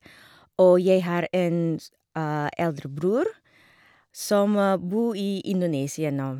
Og jeg har en s eldre bror som bo i Indonesia nå.